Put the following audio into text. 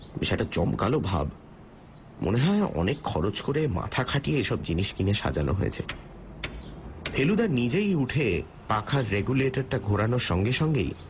বেশ একটা জমকালো ভাব মনে হয় অনেক খরচ করে মাথা খাটিয়ে কিনে সাজানো হয়েছে ফেলুদা নিজেই উঠে পাখার রেগুলেটারটা ঘোরানোর সঙ্গে সঙ্গেই